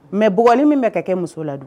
Mais bugɔli min bɛ ka kɛ muso la dun ?